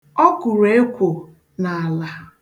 Ọ kụrụ ekwo n'ala.